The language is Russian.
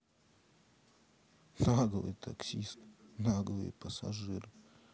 наглые таксисты наглые пассажиры